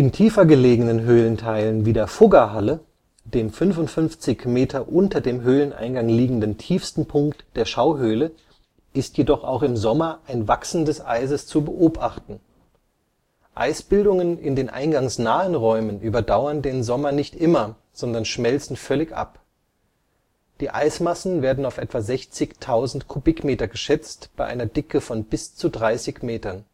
tiefergelegenen Höhlenteilen wie der Fuggerhalle, dem 55 Meter unter dem Höhleneingang liegenden tiefsten Punkt der Schauhöhle, ist jedoch auch im Sommer ein Wachsen des Eises zu beobachten. Eisbildungen in den eingangsnahen Räumen überdauern den Sommer nicht immer, sondern schmelzen völlig ab. Die Eismassen werden auf etwa 60.000 Kubikmeter geschätzt, bei einer Dicke von bis zu 30 Metern